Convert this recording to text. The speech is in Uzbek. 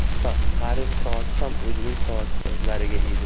hatto tarix soati ham o'zining soatsozlariga ega